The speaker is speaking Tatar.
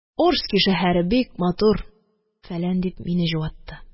Орски шәһәре бик матур, фәлән, – дип, мине җуатты.